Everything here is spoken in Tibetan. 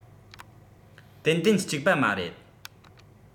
ཏན ཏན གཅིག པ མ རེད